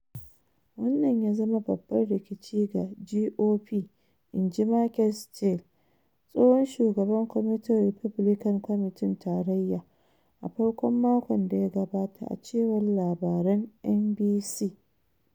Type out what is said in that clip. "Wannan ya zama babban rikici ga GOP," in ji Michael Steele, tsohon shugaban kwamitin Republican Kwamitin Tarayya, a farkon makon da ya gabata, a cewar Labaran NBC.